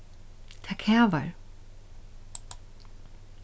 tað kavar